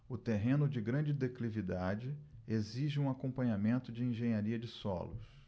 o terreno de grande declividade exige um acompanhamento de engenharia de solos